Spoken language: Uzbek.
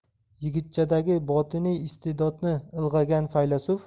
yigitchadagi botiniy istedodni ilg'agan faylasuf